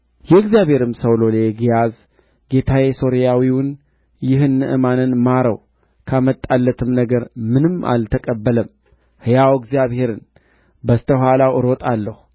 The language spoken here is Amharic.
ሬሞን ቤት በገባ ጊዜ እኔም በሬሞን ቤት በሰገድሁ ጊዜ እግዚአብሔር በዚህ ነገር ለእኔ ለባሪያህ ይቅር ይበለኝ አለ እርሱም በደኅና ሂድ አለው አንድ አግድመትም ያህል ከእርሱ ራቀ